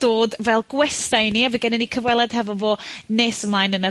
...dod fel gwestai i ni a fy' gennyn ni cyfweliad hefo fo nes ymlaen yn y...